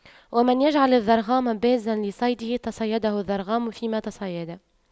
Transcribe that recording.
ومن يجعل الضرغام بازا لصيده تَصَيَّدَهُ الضرغام فيما تصيدا